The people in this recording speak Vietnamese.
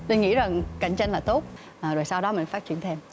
linh nghĩ rằng cạnh tranh là tốt rồi sau đó mình phát triển thêm